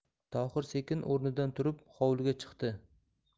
tohir sekin o'rnidan turib hovliga chiqdi